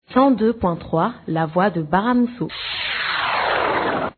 Son don kɔnfkura la don baganmuso